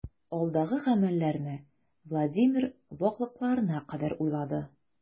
Алдагы гамәлләрне Владимир ваклыкларына кадәр уйлады.